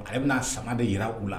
Ale bɛna a sama de jira u la